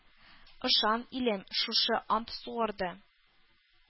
Ышан, илем, шушы ант сугарды